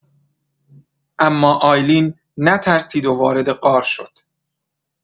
اما آیلین نترسید و وارد غار شد.